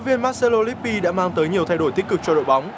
viên mác xê lô líp pi đã mang tới nhiều thay đổi tích cực cho đội bóng